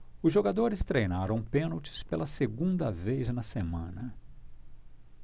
os jogadores treinaram pênaltis pela segunda vez na semana